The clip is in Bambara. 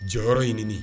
Jɔyɔrɔ ɲini